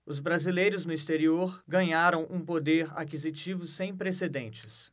os brasileiros no exterior ganharam um poder aquisitivo sem precedentes